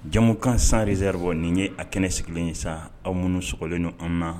Jamumukan sans réserve ni ye a kɛnɛ sigilen ye sa aw minnu sɔgɔlen do an ma.